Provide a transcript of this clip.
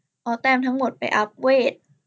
เอาแต้มทั้งหมดไปอัพเว